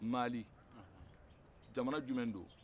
mali jamana jumɛn don